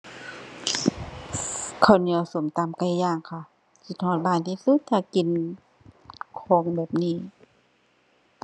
ข้าวเหนียว ส้มตำ ไก่ย่างค่ะ คิดฮอดบ้านที่สุด ถ้ากินของแบบนี้